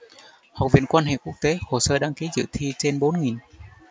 học viện quan hệ quốc tế hồ sơ đăng ký dự thi trên bốn nghìn